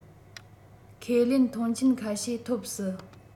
ཁས ལེན མཐོང ཆེན ཁ ཤས ཐོབ སྲིད